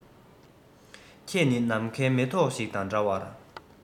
ཁྱེད ནི ནམ མཁའི མེ ཏོག ཞིག དང འདྲ བར